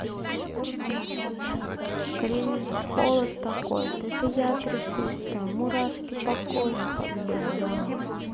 скрежет холод какой то это я трясусь там мурашки по коже как бы да